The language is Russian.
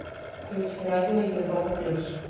включи радио европа плюс